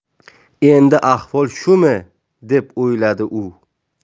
endi ahvol shumi deb o'yladi u